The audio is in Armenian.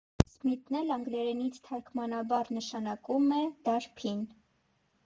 «Սմիթն» էլ անգլերենից թարգմանաբար նշանակում է «դարբին»։